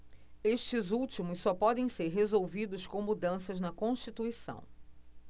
estes últimos só podem ser resolvidos com mudanças na constituição